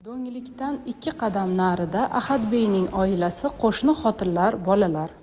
do'nglikdan ikki qadam narida ahadbeyning oilasi qo'shni xotinlar bolalar